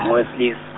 ngwesilisa.